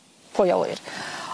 Pwy a ŵyr.